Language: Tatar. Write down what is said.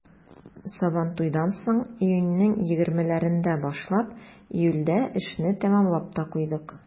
Сабантуйдан соң, июньнең 20-ләрендә башлап, июльдә эшне тәмамлап та куйдык.